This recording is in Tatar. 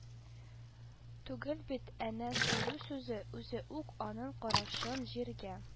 Түгел бит әнә сөрү сүзе үзе үк аның карашын җиргә